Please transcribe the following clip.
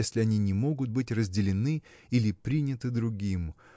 если они не могут быть разделены или приняты другим.